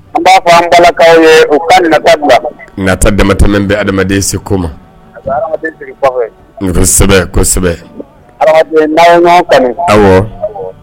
N' fɔ an balakaw ye u katabila nkasa damatɛmɛ bɛ adamaden se ko ma kosɛbɛ ka aw